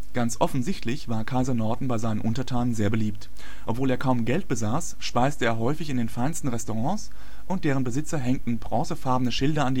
Ganz offensichtlich war Kaiser Norton bei seinen Untertanen sehr beliebt. Obwohl er kaum Geld besaß, speiste er häufig in den feinsten Restaurants und deren Besitzer hängten bronzenfarbene Schilder